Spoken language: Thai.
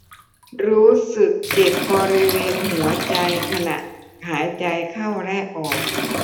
รู้สึกเจ็บบริเวณหัวใจขณะหายใจเข้าและออก